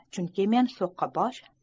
chunki men so'qqabosh